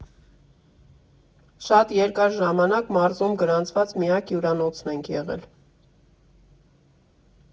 Շատ երկար ժամանակ մարզում գրանցված միակ հյուրանոցն ենք եղել։